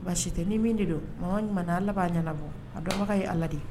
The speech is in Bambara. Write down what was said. Baasi si tɛ ni min de don makan ma ala b'a ɲɛnabɔ a dɔn ye ala de ye